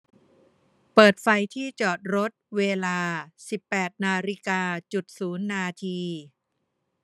เปิดไฟที่จอดรถเวลาสิบแปดนาฬิกาจุดศูนย์นาที